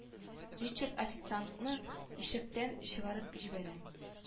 Ричард официантны ишектән чыгарып җибәрә